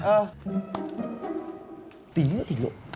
ờ tí nữa thì lộ